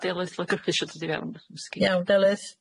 Ma'r Delyth o Gybi isio dod i fewn. Iawn Delyth.